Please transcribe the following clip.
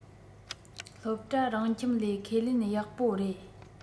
སློབ གྲྭ རང ཁྱིམ ལས ཁས ལེན ཡག པོ རེད